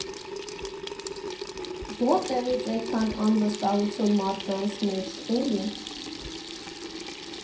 Ո՞րտեղից էդքան անվստահություն մարդկանց մեջ, էլի։